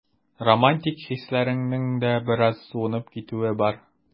Романтик хисләреңнең дә бераз суынып китүе бар.